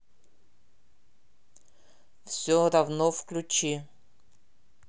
все равно включи